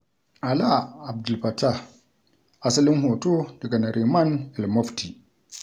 Alaa Abd El Fattah, asalin hoto daga Nariman El-Mofty.